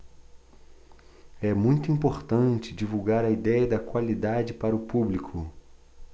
é muito importante divulgar a idéia da qualidade para o público